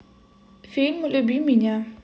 фильм люби меня